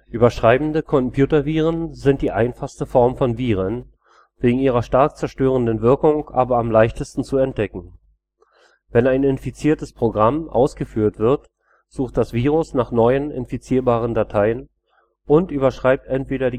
Überschreibende Computerviren sind die einfachste Form von Viren, wegen ihrer stark zerstörenden Wirkung aber am leichtesten zu entdecken. Wenn ein infiziertes Programm ausgeführt wird, sucht das Virus nach neuen infizierbaren Dateien und überschreibt entweder